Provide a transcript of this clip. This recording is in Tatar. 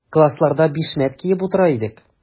Классларда бишмәт киеп утыра идек.